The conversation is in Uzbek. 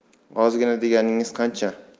ozgina deganingiz qancha